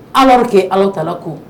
Ala de kɛ ala ta ko